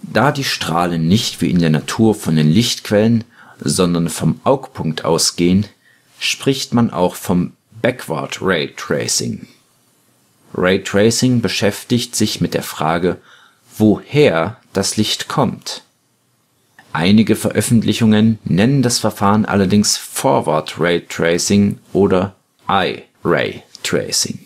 Da die Strahlen nicht wie in der Natur von den Lichtquellen, sondern vom Augpunkt ausgehen, spricht man auch von Backward Ray Tracing. Raytracing beschäftigt sich mit der Frage, woher das Licht kommt. Einige Veröffentlichungen nennen das Verfahren allerdings Forward Ray Tracing oder Eye Ray Tracing